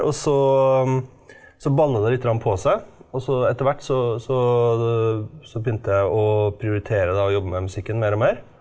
og så så balla det lite grann på seg, og så etter hvert så så så begynte jeg å prioritere da å jobbe med musikken mer og mer.